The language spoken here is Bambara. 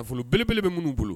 A nafolo bele bɛ minnu bolo